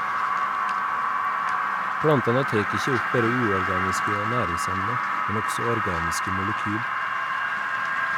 Plantane tek ikkje opp berre uorganiske næringsemne, men også organiske molekyl.